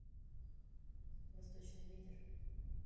восточный ветер